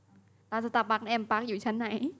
ร้านสตาร์บัคในแอมปาร์คอยู่ชั้นไหน